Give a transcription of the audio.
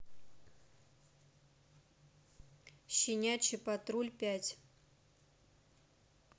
щенячий патруль пять